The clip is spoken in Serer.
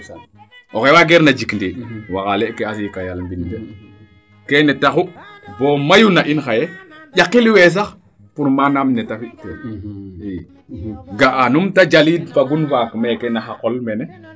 oxe waageer na jik ɗiɗ waxale ke a siika yaal mbin de keene taxu bo mayu na in xaye njakqil wee sax pour manaam neete fi teel ga'a num te jaliid fagun faak meeke naxa qol mene